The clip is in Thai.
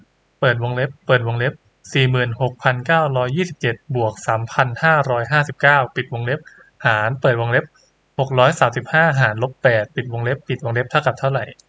เปิดวงเล็บเปิดวงเล็บสี่หมื่นหกพันเก้าร้อยยี่สิบเจ็ดบวกสามพันห้าร้อยห้าสิบเก้าปิดวงเล็บหารเปิดวงเล็บหกร้อยสามสิบห้าหารลบแปดปิดวงเล็บปิดวงเล็บเท่ากับเท่าไร